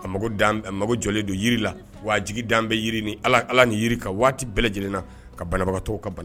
Ka mago jɔlen don jiri la wa jigi dan bɛ yiri ni ala ni yiri ka waati bɛɛ lajɛlenna ka banabagatɔ ka bana